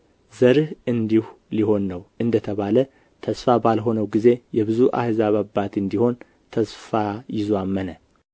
ዘርህ እንዲሁ ሊሆን ነው እንደ ተባለ ተስፋ ባልሆነው ጊዜ የብዙ አሕዛብ አባት እንዲሆን ተስፋ ይዞ አመነ